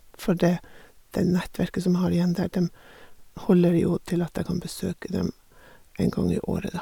For det det nettverket som jeg har igjen der, dem holder jo til at jeg kan besøke dem en gang i året, da.